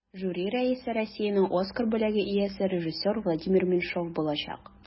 Жюри рәисе Россиянең Оскар бүләге иясе режиссер Владимир Меньшов булачак.